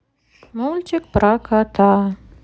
мультик про кота